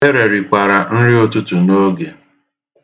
Ebere rikwara nri ụtụtụ n'oge.